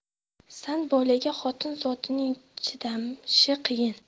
san bolaga xotin zotining chidashi qiyin